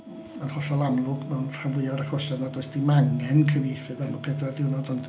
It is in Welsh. Mae'n hollol amlwg mewn rhan fwyaf o'r achosion nad oes dim angen cyfieithydd am y pedwar diwrnod, ond...